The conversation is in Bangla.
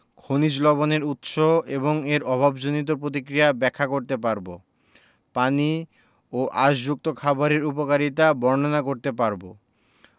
খনিজ লবণের উৎস এবং এর অভাবজনিত পতিক্রিয়া ব্যাখ্যা করতে পারব পানি ও আশযুক্ত খাবারের উপকারিতা বর্ণনা করতে পারব